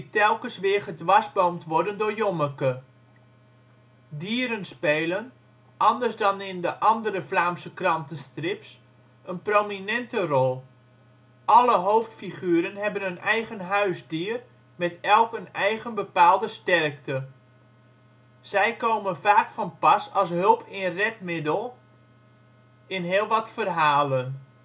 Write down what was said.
telkens weer gedwarsboomd worden door Jommeke. Dieren spelen, anders dan in de andere Vlaamse krantenstrips, een prominente rol. Alle hoofdfiguren hebben een eigen huisdier, met elk een eigen bepaalde sterkte. Zij komen vaak van pas als hulp in redmiddel in heel wat verhalen